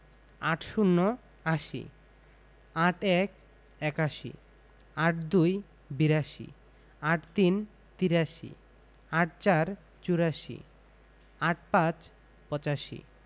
৮০ - আশি ৮১ – একাশি ৮২ – বিরাশি ৮৩ – তিরাশি ৮৪ – চুরাশি ৮৫ – পঁচাশি